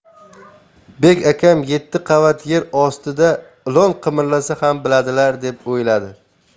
bek akam yetti qavat yer ostida ilon qimirlasa ham biladilar deb o'yladi